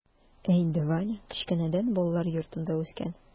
Ә инде ваня кечкенәдән балалар йортында үскән.